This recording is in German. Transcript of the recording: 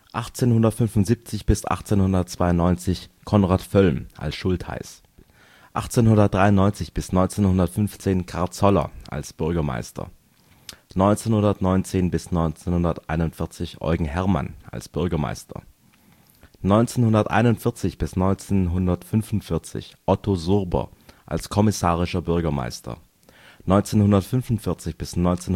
1875 bis 1892: Konrad Völlm (Schultheiß) 1893 bis 1915: Karl Zoller (Bürgermeister) 1919 bis 1941: Eugen Herrmann (Bürgermeister) 1941 bis 1945: Otto Surber (kommissarischer Bürgermeister) 1945 bis 1948